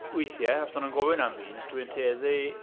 Weithiau, os ydyn nhw'n gofyn am beans, dwi'n tueddi...